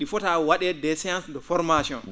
?i fotaa wa?eede des séances de formation